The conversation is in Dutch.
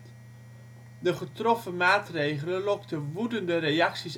maatregelen lokten woedende reacties